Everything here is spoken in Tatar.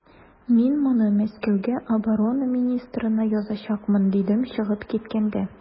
Мин моны Мәскәүгә оборона министрына язачакмын, дидем чыгып киткәндә.